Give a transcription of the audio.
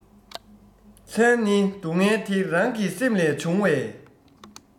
མཚན ནི སྡུལ བསྔལ དེ རང གི སེམས ལས བྱུང བས